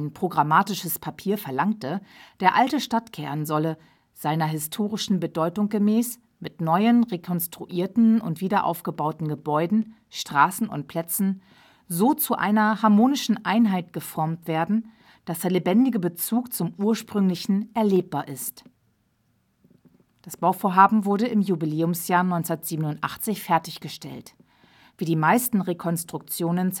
programmatisches Papier verlangte, der alte Stadtkern solle „ seiner historischen Bedeutung gemäß mit neuen, rekonstruierten und wiederaufgebauten Gebäuden, Straßen und Plätzen […] so zu einer harmonischen Einheit geformt werden, daß der lebendige Bezug zum Ursprünglichen […] erlebbar ist “. Das Bauvorhaben wurde im Jubiläumsjahr 1987 fertiggestellt. Wie die meisten Rekonstruktionen